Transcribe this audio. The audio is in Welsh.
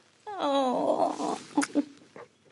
O!